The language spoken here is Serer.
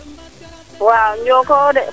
waaw njoko de